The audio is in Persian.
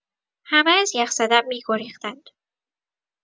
همه از یخ زدن می‌گریختند.